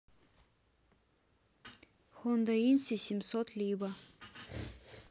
honda инси семьсот либо